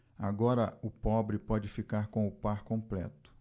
agora o pobre pode ficar com o par completo